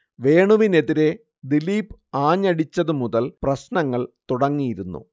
വേണുവിനെതിരെ ദിലീപ് ആഞ്ഞടിച്ചതു മുതൽ പ്രശ്നങ്ങൾ തുടങ്ങിയിരുന്നു